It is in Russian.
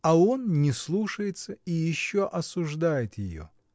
А он не слушается и еще осуждает ее!